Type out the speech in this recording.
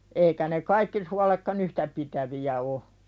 eikä ne kaikki suoletkaan yhtä pitäviä ole